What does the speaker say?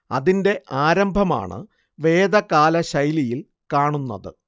ഇതിന്റെ ആരംഭമാണ് വേദകാല ശൈലിയിൽ കാണുന്നത്